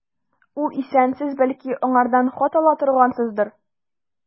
Ул исән, сез, бәлки, аңардан хат ала торгансыздыр.